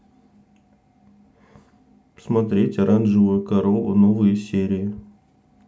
смотреть оранжевую корову новые серии